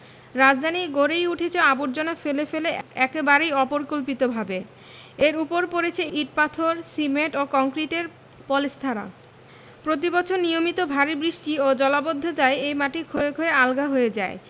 রাজধানী গড়েই উঠেছে আবর্জনা ফেলে ফেলে একেবারেই অপরিকল্পিতভাবে এর ওপর পড়েছে ইট পাথর সিমেন্ট ও কংক্রিটের পলেস্থারা প্রতিবছর নিয়মিত ভারি বৃষ্টি ও জলাবদ্ধতায় এই মাটি ক্ষয়ে ক্ষয়ে আলগা হয়ে যায়